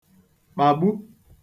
kpagbu